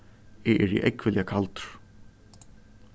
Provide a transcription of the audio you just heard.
eg eri ógvuliga kaldur